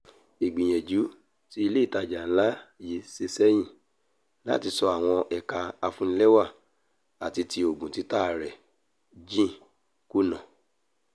Ìgbìyànjú ti ilé ìtajà ńlá yíì ṣe sẹyìn láti ṣọ àwọn ẹ̀ka afúnnilẹ́wà ati ti òògùn títà rẹ̀ jí kùnà.